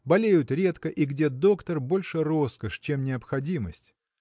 болеют редко и где доктор – больше роскошь чем необходимость.